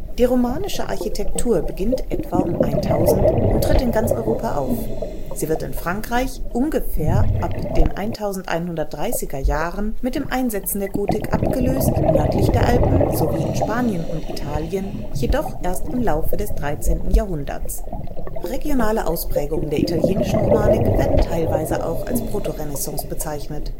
Die Romanische Architektur beginnt etwa um 1000 und tritt in ganz Europa auf. Sie wird in Frankreich ungefähr ab den 1130er Jahren mit dem Einsetzen der Gotik abgelöst, nördlich der Alpen sowie in Spanien und Italien jedoch erst im Lauf des 13. Jahrhunderts. Regionale Ausprägungen der italienischen Romanik werden teilweise auch als Protorenaissance bezeichnet